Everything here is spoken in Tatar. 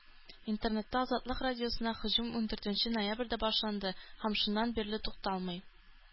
Интернетта Азатлык радиосына һөҗүм ундүртенче ноябрьдә башланды һәм шуннан бирле тукталмый.